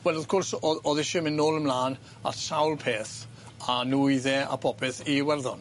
Wel wrth gwrs o- o'dd isie myn' nôl a mlan at sawl peth a nwydde a popeth i Iwerddon.